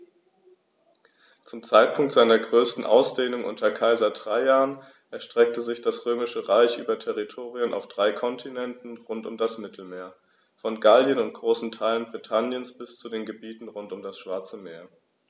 Zum Zeitpunkt seiner größten Ausdehnung unter Kaiser Trajan erstreckte sich das Römische Reich über Territorien auf drei Kontinenten rund um das Mittelmeer: Von Gallien und großen Teilen Britanniens bis zu den Gebieten rund um das Schwarze Meer.